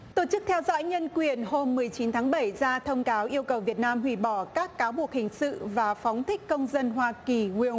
tổ chức theo dõi nhân quyền hôm mười chín tháng bảy ra thông cáo yêu cầu việt nam hủy bỏ các cáo buộc hình sự và phóng thích công dân hoa kỳ gui li